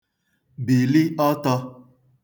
bìli ọtọ̄